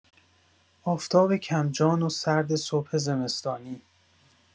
آفتاب کم‌جان و سرد صبح زمستانی